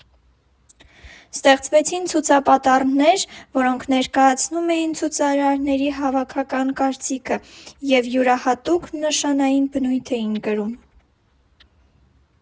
Ստեղծվեցին ցուցապաստառներ, որոնք ներկայացնում էին ցուցարարների հավաքական կարծիքը և յուրահատուկ նշանային բնույթ էին կրում։